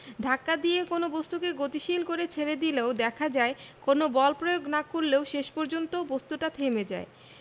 ধাক্কা দিয়ে কোনো বস্তুকে গতিশীল করে ছেড়ে দিলেও দেখা যায় কোনো বল প্রয়োগ না করলেও শেষ পর্যন্ত বস্তুটা থেমে যায়